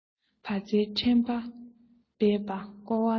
བ ཚྭའི ཁྲོན པ འབད པས རྐོ བ འདྲ